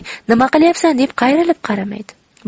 nima qilyapsan deb qayrilib qaramaydi